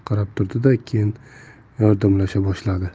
qarab turdida keyin yordamlasha boshladi